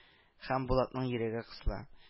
Һәм булатның йөрәге кысыла